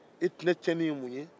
e tɛnɛ tiɲɛni ye mun ye